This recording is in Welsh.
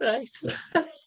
Reit.